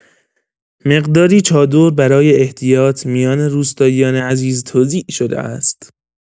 مقداری چادر برای احتیاط، میان روستاییان عزیز توزیع شده است.